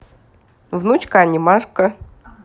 внучка анимашка